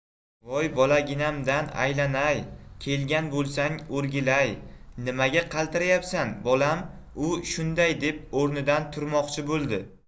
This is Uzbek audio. voy bolaginamdan aylanay kelgan bo'lsang o'rgilay nimaga qaltirayapsan bolam u shunday deb o'rnidan turmoqchi bo'ldi